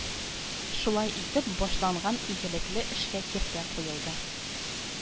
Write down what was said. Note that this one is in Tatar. Шулай итеп, башланган игелекле эшкә киртә куелды